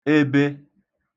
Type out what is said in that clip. ebe